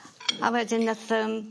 A wedyn nath yym